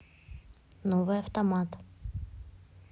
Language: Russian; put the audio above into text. новый автомат